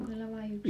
onko sillä vain yksi